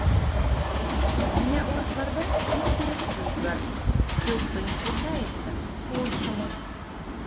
Менә урысларда бик дөрес сүз бар: "все, что ни случается - к лучшему".